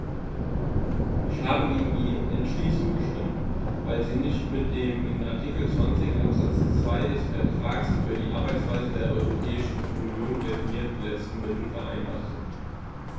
Ich habe gegen die Entschließung gestimmt, weil sie nicht mit dem in Artikel 20 Absatz 2 des Vertrags über die Arbeitsweise der Europäischen Union definierten letzten Mittel vereinbar ist.